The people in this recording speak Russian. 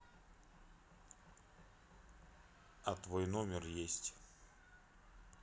а твой номер есть